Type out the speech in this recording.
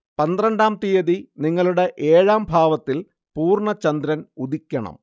പന്ത്രണ്ടാം തീയതി നിങ്ങളുടെ ഏഴാം ഭാവത്തിൽ പൂർണ ചന്ദ്രൻ ഉദിക്കണം